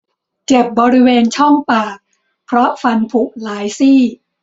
เจ็บบริเวณช่องปากเพราะฟันผุหลายซี่